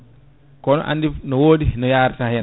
kono andi no wodi no yarata hen